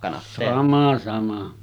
sama sama